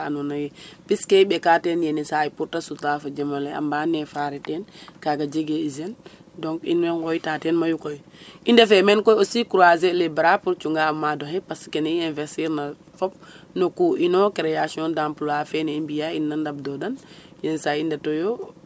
Bala andoona yee pis ke i ɓekaa ten yenisaay pour ta sutaa fo jem ole a mbaa nefare ten kaaga jegee hygiene donc in woy nqooytaa ten Mayu koy i ndefee meen aussi koy croiser les bras cunga o maad oxe it parce kene i invertir na fop no cout ino création d emploie fene i mbia'aa ino na ndabdoodan yenisaay i ndetooyo.